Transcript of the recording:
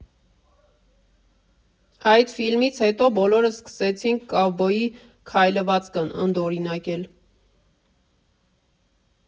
Այդ ֆիլմից հետո բոլորս սկսեցինք կովբոյի քայլվածքն ընդօրինակել։